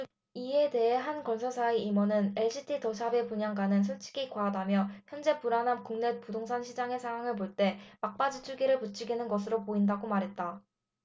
이에 대해 한 건설사의 임원은 엘시티 더샵의 분양가는 솔직히 과하다며 현재 불안한 국내 부동산시장 상황을 볼 때 막바지 투기를 부추기는 것으로 보인다고 말했다